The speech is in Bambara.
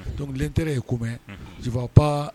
Dɔnkuclentere ye ko mɛn jafa pan